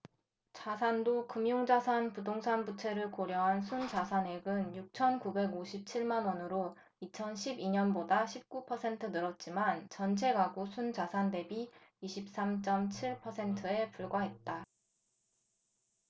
자산도 금융자산 부동산 부채를 고려한 순자산액은 육천 구백 오십 칠 만원으로 이천 십 이 년보다 십 구 퍼센트 늘었지만 전체가구 순자산 대비 이십 삼 쩜 칠 퍼센트에 불과했다